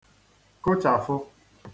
kụchàfụ